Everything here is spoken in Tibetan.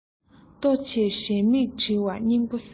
ལྟོ ཕྱིར གཞན མིག ཁྲེལ བ སྙིང པོ ཟད